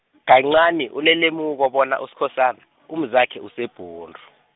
kancani, unelemuko bona Uskhosana, umzakhe useBhundu.